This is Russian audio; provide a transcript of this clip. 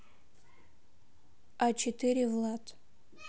а четыре влад